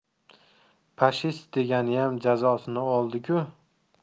pashist deganiyam jazosini oldi ku